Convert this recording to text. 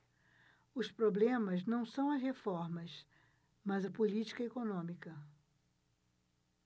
o problema não são as reformas mas a política econômica